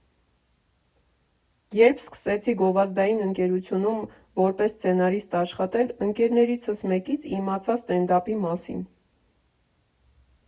Երբ սկսեցի գովազդային ընկերությունում որպես սցենարիստ աշխատել, ընկերներիցս մեկից իմացա ստենդափի մասին։